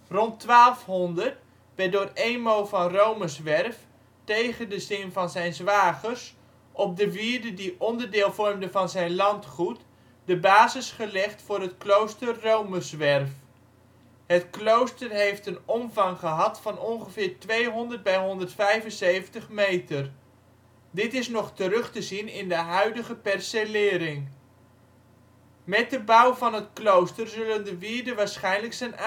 Rond 1200 werd door Emo van Romerswerf - tegen de zin van zijn zwagers - op de wierden die onderdeel vormden van zijn landgoed, de basis gelegd voor het klooster Romerswerf. Het klooster heeft een omvang gehad van ongeveer 200 bij 175 meter. Dit is nog terug te zien in de huidige percelering. Met de bouw van het klooster zullen de wierden waarschijnlijk zijn